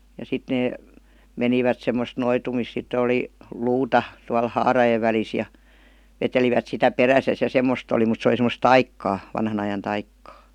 ja sitten ne menivät semmoista noitumista sitten oli luuta tuolla haarojen välissä ja vetelivät sitä perässään ja semmoista oli mutta se oli semmoista taikaa vanhan ajan taikaa